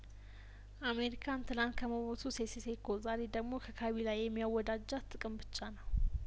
አሜሪካን ትላንት ከሞቡቱ ሴሴሴኮ ዛሬ ደግሞ ከካቢላ የሚያወዳጃት ጥቅም ብቻ ነው